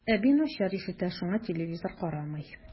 Әби начар ишетә, шуңа телевизор карамый.